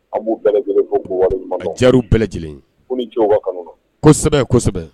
An' lajɛlen ja bɛɛ lajɛlen kosɛbɛ